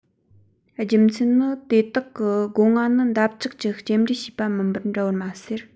རྒྱུ མཚན ནི དེ དག གི སྒོ ང ནི འདབ ཆགས ཀྱིས སྐྱེལ འདྲེན བྱས པ མིན པར འདྲ བ མ ཟད